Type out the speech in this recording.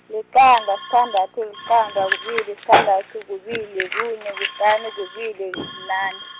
liqanda sithandathu liqanda kubili sithandathu kubili kunye kuhlanu kubili bunane.